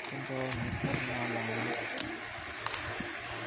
kun davom etishi noma'lum